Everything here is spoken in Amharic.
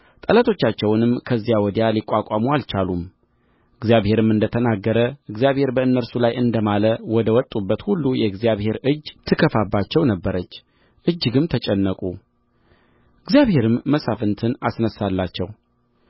ጠላቶቻቸውንም ከዚያ ወዲያ ሊቋቋሙ አልቻሉም እግዚአብሔርም እንደ ተናገረ እግዚአብሔርም በእነርሱ ላይ እንደማለ ወደ ወጡበት ሁሉ የእግዚአብሔር እጅ ትከፋባቸው ነበረች እጅግም ተጨነቁ እግዚአብሔርም መሳፍንትን አስነሣላቸው